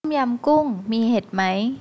ต้มยำกุ้งมีเห็ดไหม